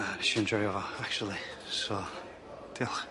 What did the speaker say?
Yy nesh i enjoio fo actually so diolch.